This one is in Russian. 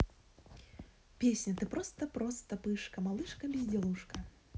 песня ты просто просто пышка малышка безделушка